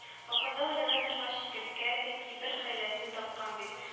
Ахырда уйлана торгач, Чикерткә тәки бер хәйләсен тапкан бит